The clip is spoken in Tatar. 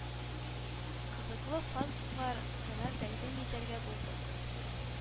Кызыклы фактлар гына тәкъдим итәргә булдык.